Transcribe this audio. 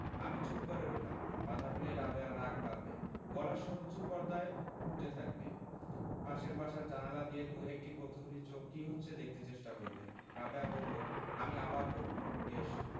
আমি চুপ করে রইলাম বাধা পেলেই রাবেয়ার রাগ বাড়বে গলার স্বর উচু পর্দায় উঠতে থাকবে পাশের বাসার জানালা দিয়ে দুএকটি কৌতুহলী চোখ কি হচ্ছে দেখতে চেষ্টা করবে রাবেয়া বললো আমি আবার বলবো বেশ